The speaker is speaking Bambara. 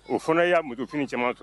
O fana y'a muf caman to